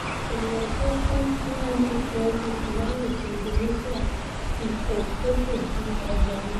Iye ènìyàn tóku nínu Ìkún-omi Tsunami ti Indonesia ti fò sòke ju ẹ̣gbẹ̀rin lọ